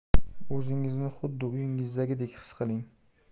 o'zingizni xuddi uyingizdagidek xis qiling